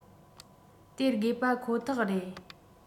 སྟེར དགོས པ ཁོ ཐག རེད